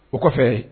O kɔfɛ